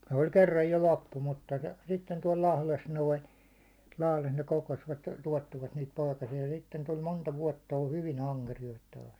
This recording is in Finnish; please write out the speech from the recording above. se oli kerran jo loppu mutta sitten tuolla Lahdessa noin Lahdessa ne kokosivat tuottivat niitä poikasia sitten tuli monta vuotta oli hyvin ankeriaita taas